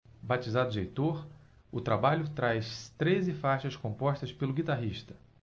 batizado de heitor o trabalho traz treze faixas compostas pelo guitarrista